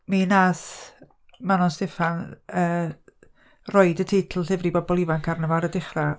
Mi wnaeth Manon Steffan yy, roid y teitl 'llyfr i bobl ifanc' arno fo ar y dechrau...